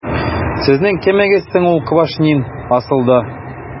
Сезнең кемегез соң ул Квашнин, асылда? ..